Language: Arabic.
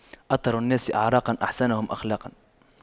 أطهر الناس أعراقاً أحسنهم أخلاقاً